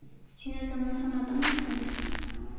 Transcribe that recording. — син үзеңне санадыңмы соң?